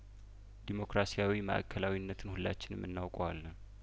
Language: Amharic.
ዴሞክራሲያዊ ማእከላዊነትን ሁላችንም እናውቀዋለን